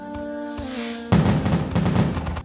Sanunɛ yo